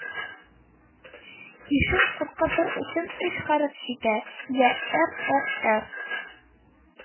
Ишен куркытыр өчен өч хәреф җитә: йә «р-р-р